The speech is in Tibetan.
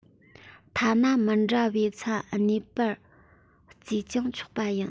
ཐ ན མི འདྲ བའི ཚན གཉིས པར བརྩིས ཀྱང ཆོག པ ཡིན